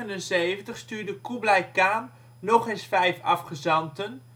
In 1279 stuurde Koeblai Khan nog eens vijf afgezanten